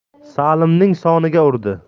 salimning soniga urdi